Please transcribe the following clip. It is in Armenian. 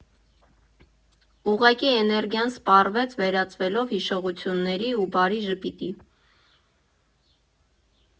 Ուղղակի էներգիան սպառվեց՝ վերածվելով հիշողությունների ու բարի ժպիտի։